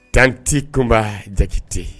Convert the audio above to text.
Tanti Kunba Jakite